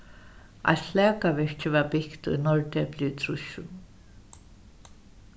eitt flakavirki varð bygt í norðdepli í trýssunum